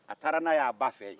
a taara n'a y'a ba fɛ yen